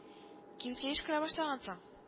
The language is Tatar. – кибеткә еш керә башлагансың